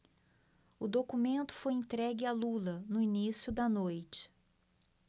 o documento foi entregue a lula no início da noite